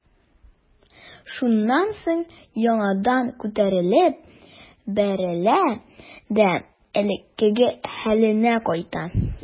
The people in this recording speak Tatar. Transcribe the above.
Шуннан соң яңадан күтәрелеп бәрелә дә элеккеге хәленә кайта.